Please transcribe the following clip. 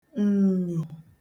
ǹnyò